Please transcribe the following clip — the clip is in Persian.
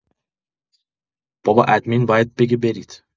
بابا ادمین باید بگه برید